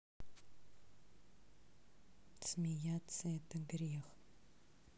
смеяться это грех